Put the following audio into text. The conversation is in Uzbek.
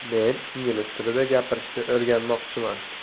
men ingliz tilida gapirishni o'rganmoqchiman